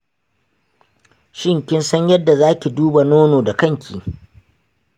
shin kin san yadda zaki duba nono da kanki?